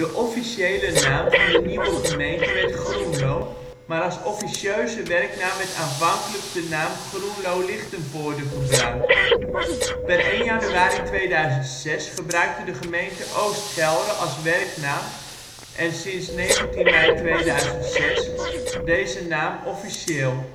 officiële naam van de nieuwe gemeente werd " Groenlo " maar als officieuze werknaam werd aanvankelijk de naam " Groenlo-Lichtenvoorde " gebruikt. Per 1 januari 2006 gebruikte de gemeente Oost Gelre als werknaam en sinds 19 mei 2006 is deze naam officieel